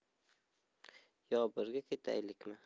yo birga ketaylikmi